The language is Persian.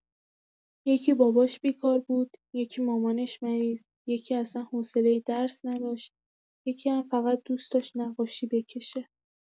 یکی باباش بیکار بود، یکی مامانش مریض، یکی اصلا حوصله درس نداشت، یکی هم فقط دوست داشت نقاشی بکشه.